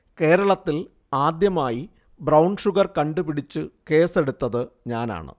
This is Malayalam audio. കേരളത്തിൽ ആദ്യമായി 'ബ്രൌൺ ഷുഗർ' കണ്ടുപിടിച്ചു കേസ്സെടുത്തത് ഞാനാണ്